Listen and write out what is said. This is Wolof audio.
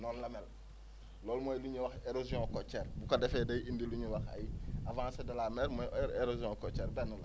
noonu la mel loolumooy li ñuy wax érosion coyière bu ko defee day indi lu ñuy wax ay avancé de la mer mooy ér-) érosion cotière benn la